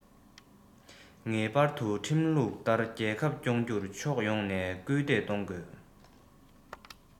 ངེས པར དུ ཁྲིམས ལུགས ལྟར རྒྱལ ཁབ སྐྱོང རྒྱུར ཕྱོགས ཡོངས ནས སྐུལ འདེད གཏོང དགོས